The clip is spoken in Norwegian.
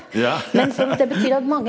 ja.